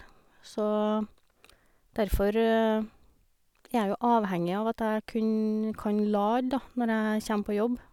Så derfor er jeg jo avhengig av at jeg kun kan lade, da, når jeg kjem på jobb.